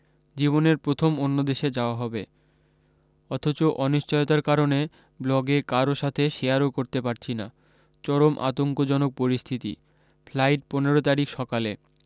জীবনের প্রথম অন্যদেশে যাওয়া হবে অথচ অনিশ্চয়তার কারণে ব্লগে কারো সাথে শেয়ারও করতে পারছিনা চরম আতঙ্ক জনক পরিস্থিতি ফ্লাইট পনেরো তারিখ সকালে